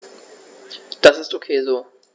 Das ist ok so.